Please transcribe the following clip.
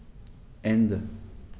Ende.